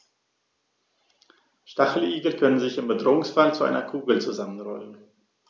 Stacheligel können sich im Bedrohungsfall zu einer Kugel zusammenrollen.